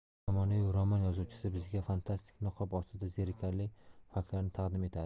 zamonaviy roman yozuvchisi bizga fantastika niqobi ostida zerikarli faktlarni taqdim etadi